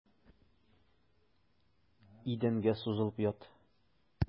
Идәнгә сузылып ят.